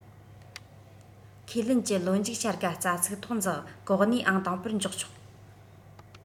ཁས ལེན གྱི ལོ མཇུག བྱ དགའ རྩ ཚིག ཐོག འཛེགས གོ གནས ཨང དང པོར འཇོག ཆོག